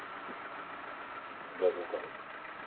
даду карл